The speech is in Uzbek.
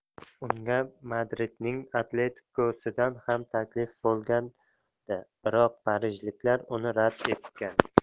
unga madridning atletiko sidan ham taklif bo'lgandi biroq parijliklar uni rad etgan